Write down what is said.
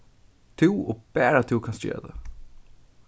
tú og bara tú kanst gera tað